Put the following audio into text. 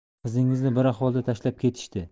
qizingizni bir ahvolda tashlab ketishdi